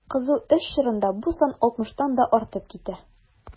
Кызу эш чорында бу сан 60 тан да артып китә.